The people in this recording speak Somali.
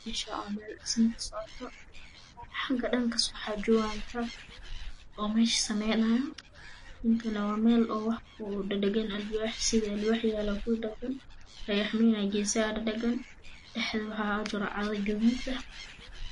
Dhaxda waxaa ugu jiro calal gaduud ah